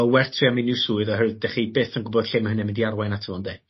ma' werth trio am unryw swydd oherwydd 'dech chi byth yn gwbod lle ma' hynna'n mynd i arwain ato fo ynde.